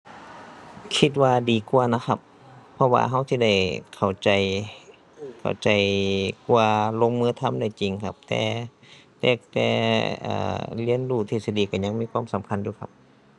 คิดว่าดีกว่านะครับ เพราะว่าเราสิได้เข้าใจ เข้าใจกว่า ลงมือทำได้จริงครับ แต่ แต่ แต่ เอ่อ เรียนรู้ทฤษฎีเรายังมีความสำคัญอยู่ครับ